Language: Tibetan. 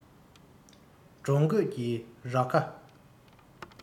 འབྲོང རྒོད ཀྱི རྭ ཁ